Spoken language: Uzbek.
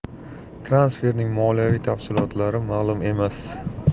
transferning moliyaviy tafsilotlari ma'lum emas